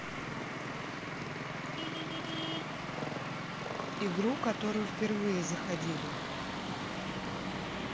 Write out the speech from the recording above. игру которые впервые заходили